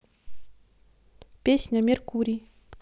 песня меркурий